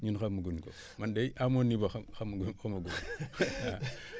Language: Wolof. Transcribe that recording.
ñun xama gu ñu ko man de à mon niveau xa xama gu ma